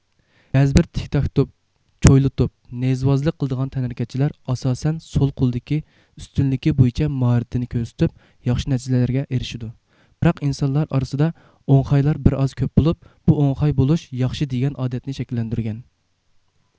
بەزىبىر تىك تاك توپ چويلا توپ نەيزىۋازلىق قىلىدىغان تەنھەرىكەتچىلەر ئاساسەن سول قولدىكى ئۈستۈنلۈكى بويىچە ماھارىتىنى كۆرسىتىپ ياخشى نەتىجىلەرگە ئېرىشىدۇ بىراق ئىنسانلار ئارىسىدا ئوڭخايلار بىر ئاز كۆپ بولۇپ بۇ ئوڭخاي بولۇش ياخشى دېگەن ئادەتنى شەكىللەندۈرگەن